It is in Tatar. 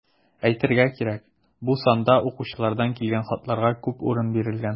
Әйтергә кирәк, бу санда укучылардан килгән хатларга күп урын бирелгән.